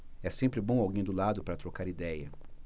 é sempre bom alguém do lado para trocar idéia